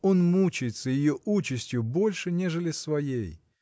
Он мучается ее участью больше, нежели своей.